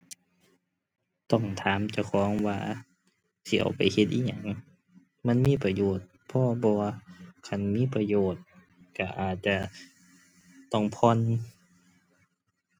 ต้องถามเจ้าของว่าสิเอาไปเฮ็ดอิหยัง มันมีประโยชน์พอบ่ คันมีประโยชน์ก็อาจจะต้องผ่อน